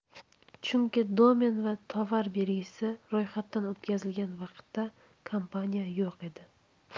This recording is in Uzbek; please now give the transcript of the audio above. chunki domen va tovar belgisi ro'yxatdan o'tkazilgan vaqtda kompaniya yo'q edi